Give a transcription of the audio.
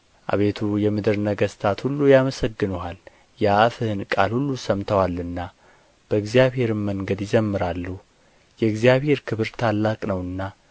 አቤቱ የምድር ነገሥታት ሁሉ ያመሰግኑሃል የአፍህን ቃል ሁሉ ሰምተዋልና በእግዚአብሔርም መንገድ ይዘምራሉ የእግዚአብሔር ክብር ታላቅ ነውና